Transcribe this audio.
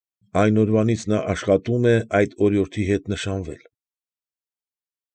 Այն օրվանից նա աշխատում է այդ օրիորդի հետ նշանվել։